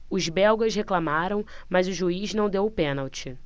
os belgas reclamaram mas o juiz não deu o pênalti